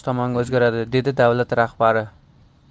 tomonga o'zgaradi dedi davlat rahbari